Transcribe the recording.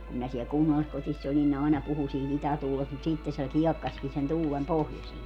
kun minä siellä kunnalliskodissa olin ne aina puhui siitä itätuulesta mutta sitten se kiekkasikin sen tuulen pohjoiseen